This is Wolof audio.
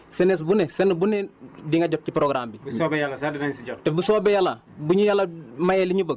mais bu sañoon commune bi yëppay jot ci programme bi bu sañoon tamit jeunesse bu ne jeune bu ne di nga jot ci programme bi